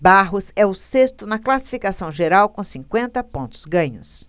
barros é o sexto na classificação geral com cinquenta pontos ganhos